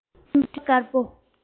སྤྲིན པ དཀར པོ